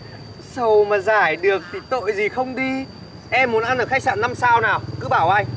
sầu mà giải được thì tội gì không đi em muốn ăn ở khách sạn năm sao nào cứ bảo anh